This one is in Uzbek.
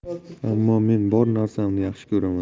ammo men bor narsamni yaxshi ko'raman